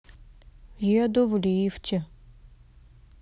еду в лифте